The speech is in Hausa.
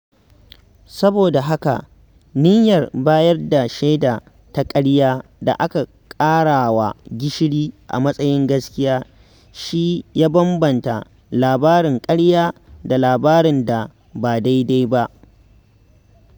Saboda haka, niyyar bayar da shaida ta ƙarya da aka ƙarawa gishiri a matsayin gaskiya shi ya bambamta labarin ƙarya da labarin da ba daidai ba.